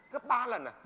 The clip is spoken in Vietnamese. gấp ba lần à